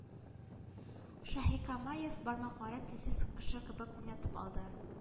Шаһикамаев бармакларын телсез кеше кебек уйнатып алды